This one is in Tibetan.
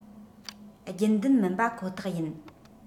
རྒྱུན ལྡན མིན པ ཁོ ཐག ཡིན